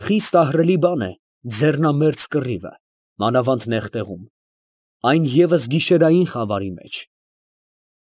Խիստ ահռելի բան է ձեռնամերձ կռիվը, մանավանդ նեղ տեղում, այն ևս գիշերային խավարի մեջ։